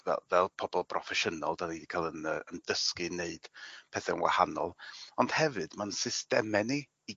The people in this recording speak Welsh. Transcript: fel fel pobol broffesiynol 'dan ni 'di ca'l 'yn yy 'yn dysgu i neud pethe'n wahanol ond hefyd ma'n systeme ni i